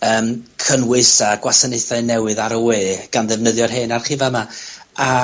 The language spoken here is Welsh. yym cynnwys a gwasanaethau newydd ar y we gan ddefnyddio'r hen archifa 'ma, a